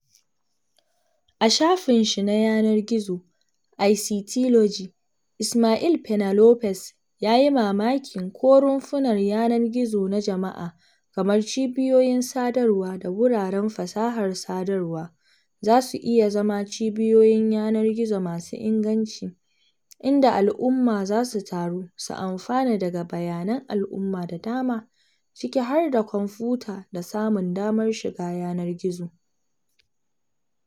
A shafinsa na yanar gizo ICTlogy, Ismael Peña-López yayi mamakin ko rumfunan yanar gizo na jama'a kamar cibiyoyin sadarwa da wuraren fasahar sadarwa za su iya zama cibiyoyin yanar gizo masu inganci, “inda al’umma za su taru su amfana daga bayanan al’umma da dama, ciki har da kwamfuta da samun damar shiga yanar gizo"